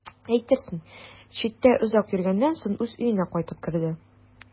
Әйтерсең, читтә озак йөргәннән соң үз өенә кайтып керде.